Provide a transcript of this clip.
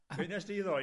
Be' nest di ddoe...